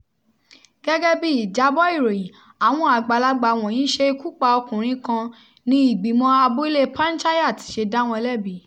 Gẹ̀gẹ̀ bí ìjábọ̀ ìròyìn, àwọn àgbàlagbà wọ̀nyí ṣe ikú pa ọkùnrin kan, ni ìgbìmọ̀ abúlée Panchayat ṣe dá wọn lẹ́bi.